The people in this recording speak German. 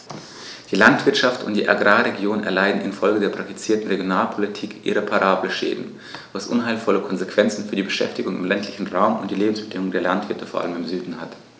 Die Landwirtschaft und die Agrarregionen erleiden infolge der praktizierten Regionalpolitik irreparable Schäden, was unheilvolle Konsequenzen für die Beschäftigung im ländlichen Raum und die Lebensbedingungen der Landwirte vor allem im Süden hat.